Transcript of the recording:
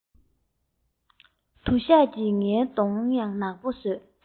དུ ཞགས ཀྱིས ངའི གདོང ཡང ནག པོར བཟོས